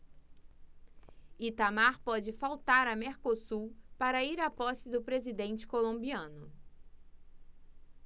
itamar pode faltar a mercosul para ir à posse do presidente colombiano